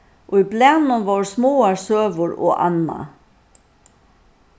í blaðnum vóru smáar søgur og annað